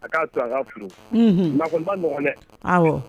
A k'a to an ka furu makun ba nɔgɔ dɛ aw